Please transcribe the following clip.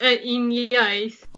yy un iaith.